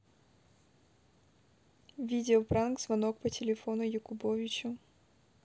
видео пранк звонок по телефону якубовичу